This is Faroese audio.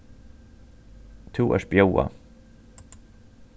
tú ert bjóðað